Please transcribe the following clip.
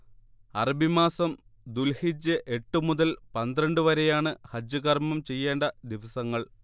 അറബിമാസം ദുൽഹിജ്ജ് എട്ട് മുതൽ പന്ത്രണ്ട് വരെയാണ് ഹജ്ജ് കർമ്മം ചെയ്യേണ്ട ദിവസങ്ങൾ